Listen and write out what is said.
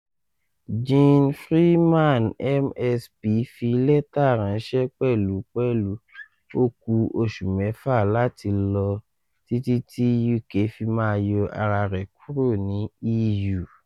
Jeane Freeman MSP fi lẹ́tà ránṣẹ́ pẹ̀lú pẹ́lú ó kú oṣù mẹ́fà láti lọ títí tí UK fi máa yọ ara rẹ̀ kúrò ní EU.